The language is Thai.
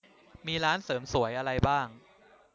มีร้านเสริมสวยอะไรบ้าง